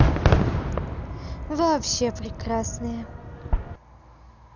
вообще прекрасные